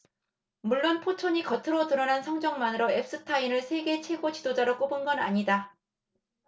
물론 포천이 겉으로 드러난 성적만으로 엡스타인을 세계 최고 지도자로 꼽은 건 아니다